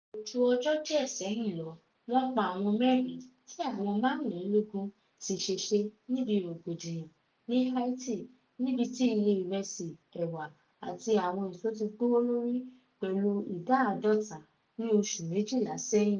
Kò ju ọjọ́ díẹ̀ sẹ́yìn lọ, wọ́n pa àwọn mẹ́rin tí àwọn 25 sì ṣèṣe níbi rògbòdìyàn ní Haiti, níbi tí iye ìrẹsì, ẹ̀wà, àti àwọn èso tí gbówó lórí pẹ̀lú 50% ní oṣù 12 sẹ́yìn.